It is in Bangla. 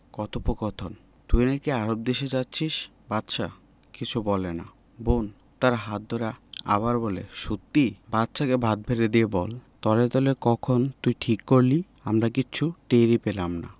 কথোপকথন তুই নাকি আরব দেশে যাচ্ছিস বাদশা কিছু বলে না বোন তার হাত ধরে আবার বলে সত্যি বাদশাকে ভাত বেড়ে দিয়ে বলে তলে তলে কখন তুই ঠিক করলি আমরা কিচ্ছু টের পেলাম না